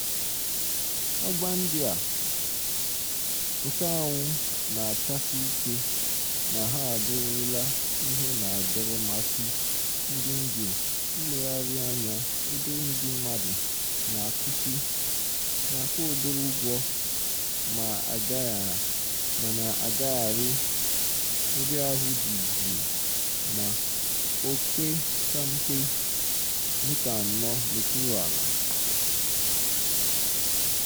Ọgba ndị a nke anwụ na-achasi ike na ha abụrụla ihe na-adọrọ mmasị ndị njem nlegharị anya ebe ndị mmadụ na-akwụsị, na-akwụ obere ụgwọ, ma na-agagharị ebe ahụ dị jụụ ma opekampe mita anọ n'okpuru ala.